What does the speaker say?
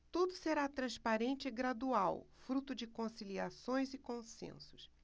tudo será transparente e gradual fruto de conciliações e consensos